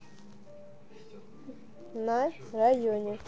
на районе